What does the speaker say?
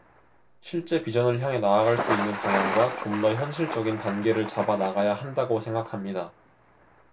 실제 비전을 향해 나아갈 수 있는 방향과 좀 더 현실적인 단계를 잡아 나가야 한다고 생각합니다